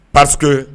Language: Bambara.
Parce que